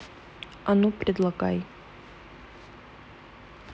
а ну предлагай